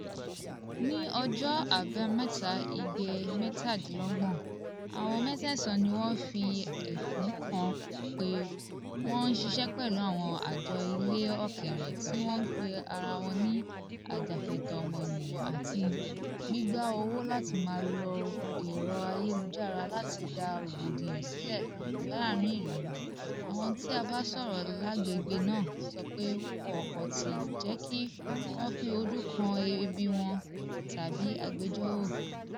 Ní ọjọ́ Àbámẹ́ta, Igbe 27, àwọn mẹ̀sẹ́ẹ̀sán ni wọ́n fi ẹ̀sùn kàn pé "Wọ́n ń ṣíṣẹ́ pẹ̀lú àwọn àjọ ilẹ̀ òkèèrè tí wọ́n pe ara wọn ní ajàfẹ̀tọ̀ọ́ ọmọniyàn àti...gbígba owó láti máa ló ẹ̀rọ ayélujára láti dá rògbòdìyàn silẹ láàárín ìlú. "Àwọn tí a bá sọ̀rọ̀ lágbègbè náà sọ pé wọn kò tíì jẹ́ kí Wọ́n fi ojú kán ẹbí wọn tàbí agbẹjọ́rò".